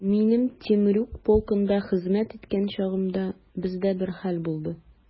Мин Темрюк полкында хезмәт иткән чагымда, бездә бер хәл булды.